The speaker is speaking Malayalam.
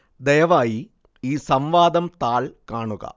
ദയവായി ഈ സംവാദം താൾ കാണുക